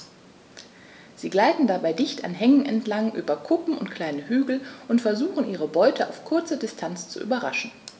Sie gleiten dabei dicht an Hängen entlang, über Kuppen und kleine Hügel und versuchen ihre Beute auf kurze Distanz zu überraschen.